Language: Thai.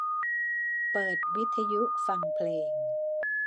เปิดวิทยุฟังเพลง